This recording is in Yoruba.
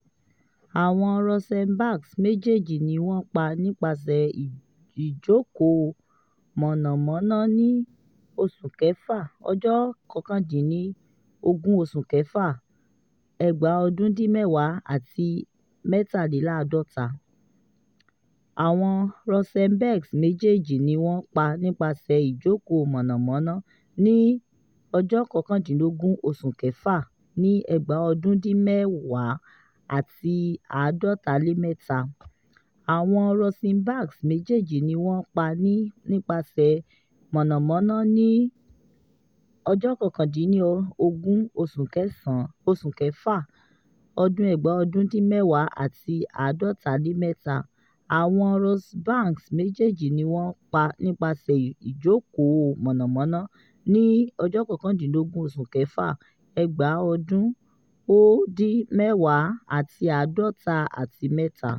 Àwọn Rosenbergs méjèèjì ní wọ́n pa nípasẹ ìjókòó mọ̀nàmọ́ná ní June 19, 1953.